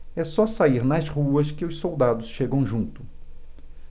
é só sair nas ruas que os soldados chegam junto